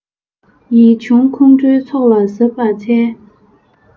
ཡིད འབྱུང ཁོང ཁྲོའི ཚོགས ལ གཟབ པར འཚལ